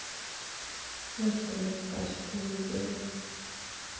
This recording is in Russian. настроить качество видео